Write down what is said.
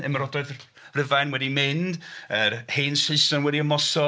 Ymerodraeth Rufain wedi mynd. Yr hen Saeson wedi ymosod.